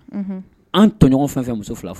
Unhun an' tɔɲɔgɔn fɛn-fɛn ye muso 2 f